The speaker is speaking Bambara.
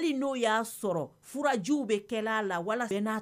Y'a sɔrɔju bɛ la